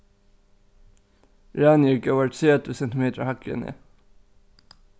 rani er góðar tretivu sentimetrar hægri enn eg